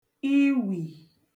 iwì